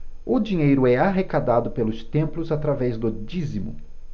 o dinheiro é arrecadado pelos templos através do dízimo